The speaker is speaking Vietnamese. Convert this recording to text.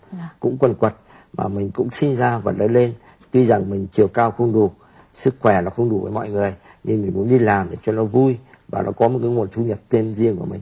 cũng quần quật mà mình cũng sinh ra và lớn lên tuy rằng mình chiều cao không đủ sức khỏe là không đủ để mọi người đều muốn đi làm để cho nó vui và có một cái nguồn thu nhập tiền riêng của mình